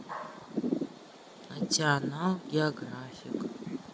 натионал географик